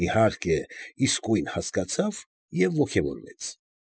Իհարկե, իսկույն հասկացավ և ոգևորվեց։